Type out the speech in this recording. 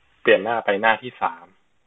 เปลี่ยนหน้าไปหน้าที่สาม